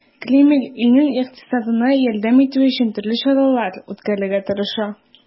Кремль илнең икътисадына ярдәм итү өчен төрле чаралар күрергә тырыша.